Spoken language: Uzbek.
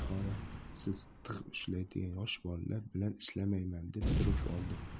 man tahoratsiz tig' ushlaydigan yosh bolalar bilan ishlamayman deb turib oldi